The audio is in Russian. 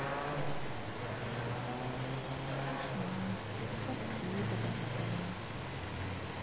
кошмар спасибо дорогая